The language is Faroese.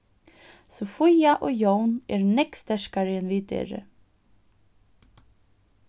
sofía og jón eru nógv sterkari enn vit eru